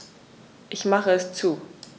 Ich mache es zu.